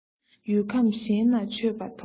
ཡུལ ཁམས གཞན ན མཆོད པ ཐོབ